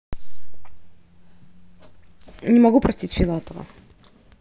не могу простить филатова